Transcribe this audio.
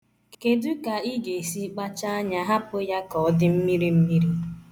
Kedu ka ị ga-esi kpacha anya hapụ ya ka ọ dị mmirimmiri?